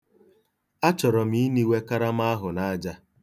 Achọrọ m iniwe karama ahụ n'aja.